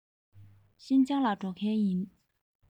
ཤིན ཅང ལ འགྲོ མཁན ཡིན